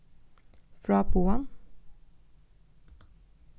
fráboðan